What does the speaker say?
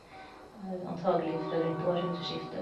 Antagelig fra rundt århundreskiftet.